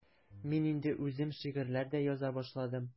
Мин инде үзем шигырьләр дә яза башладым.